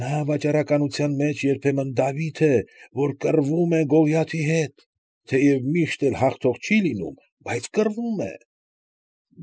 Նա վաճառականության մեջ երբեմն Դավիթ է, որ կռվում է Գողիաթի հետ. թեև միշտ էլ հաղթող չի լինում, բայց կռվում է։